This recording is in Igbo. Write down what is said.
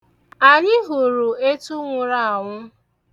Anyị hụrụ etu nwụrụ anwụ.